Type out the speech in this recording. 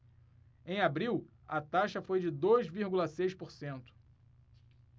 em abril a taxa foi de dois vírgula seis por cento